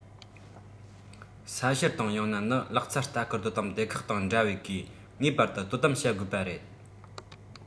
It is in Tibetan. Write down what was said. ས བཤེར དང ཡང ན ནི ལག རྩལ ལྟ སྐུལ དོ དམ སྡེ ཁག དང འདྲ བའི གིས ངེས པར དུ དོ དམ བྱ དགོས པ རེད